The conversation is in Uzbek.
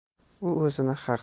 u o'zini haq